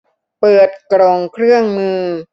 เปิดกล่องเครื่องมือ